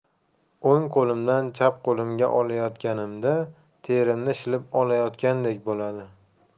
o'ng qo'limdan chap qo'limga olayotganimda terimni shilib olayotgandek bo'ladi